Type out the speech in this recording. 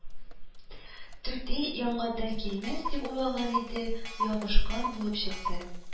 Түти яңадан килмәс дип уйлаган иде, ялгышкан булып чыкты